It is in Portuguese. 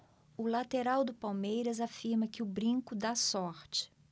o lateral do palmeiras afirma que o brinco dá sorte